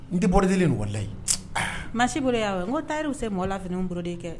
N tɛ bɔradilen ni warilayi masi bolo y'a n ko tariw se mɔgɔlaf n b boloden kɛ